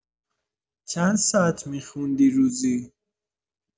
چند ساعت می‌خوندی روزی؟